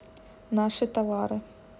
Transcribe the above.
наши товары